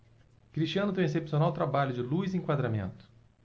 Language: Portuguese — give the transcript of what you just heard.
cristiano tem um excepcional trabalho de luz e enquadramento